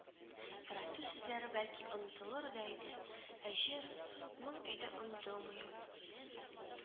Ярату сүзләре бәлки онытылыр да иде, ә җыр, моң иде онытылмый ул